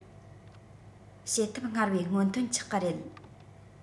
བྱེད ཐབས སྔར བས སྔོན ཐོན ཆགས གི རེད